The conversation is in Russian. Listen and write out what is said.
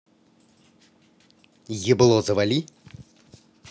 ебло завали